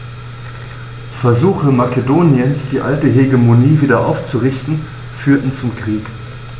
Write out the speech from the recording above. Versuche Makedoniens, die alte Hegemonie wieder aufzurichten, führten zum Krieg.